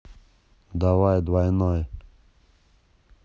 давай двойной